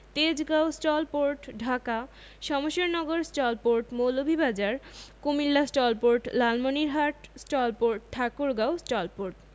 Tejgaon STOL port Dhaka Shamshernagar STOL port Moulvibazar Comilla STOL port Lalmonirhat STOL port Thakurgaon STOL port